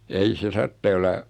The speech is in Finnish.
ei se tarvitsee olla